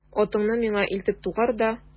Атыңны миңа илтеп тугар да...